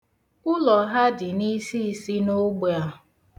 Ụlọ ha dị n'isiisi n'ogbe a.